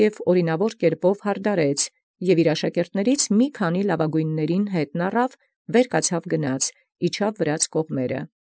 Գրէր, կարգէր և աւրինաւք յարդարէր. և առնոյր ընդ իւր զոմանս լաւագոյնս յաշակերտաց իւրոց, յարուցեալ գնայր իջանել ի կողմանս Վրաց։